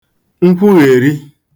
nkwughèri